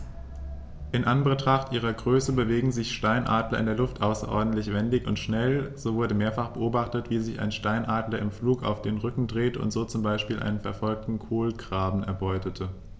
In Anbetracht ihrer Größe bewegen sich Steinadler in der Luft außerordentlich wendig und schnell, so wurde mehrfach beobachtet, wie sich ein Steinadler im Flug auf den Rücken drehte und so zum Beispiel einen verfolgenden Kolkraben erbeutete.